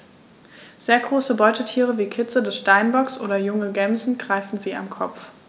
Sehr große Beutetiere wie Kitze des Steinbocks oder junge Gämsen greifen sie am Kopf.